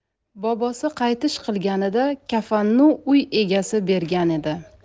bobosi qaytish qilganida kafanni uy egasi bergan edi